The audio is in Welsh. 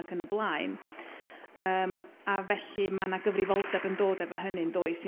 ac yn y blaen yrm a felly ma' 'na gyfrifoldeb yn dod efo hynny 'ndois?